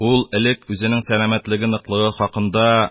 Ул элек үзенең сәламәтлеге ныклыгы хакында: